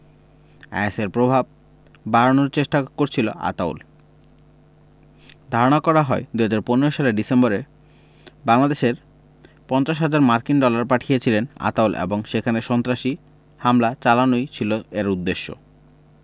আইএসের প্রভাব বাড়ানোর চেষ্টা করছিল আতাউল ধারণা করা হয় ২০১৫ সালের ডিসেম্বরে বাংলাদেশে ৫০ হাজার মার্কিন ডলার পাঠিয়েছিলেন আতাউল এবং সেখানে সন্ত্রাসী হামলা চালানোই ছিল এর উদ্দেশ্য